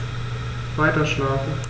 Weiterschlafen.